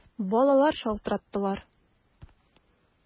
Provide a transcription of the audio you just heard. Балалар шалтыраттылар!